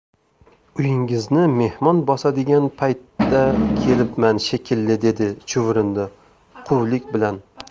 uyingizni mehmon bosadigan paytda kelibman shekilli dedi chuvrindi quvlik bilan